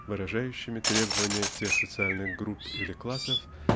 выражающими требования тех социальных групп или классов